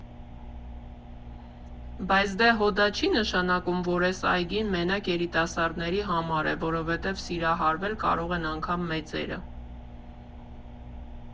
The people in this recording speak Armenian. Բայց դե հո դա չի՞ նշանակում, որ էս այգին մենակ երիտասարդների համար է, որովհետև սիրահարվել կարող են անգամ մեծերը։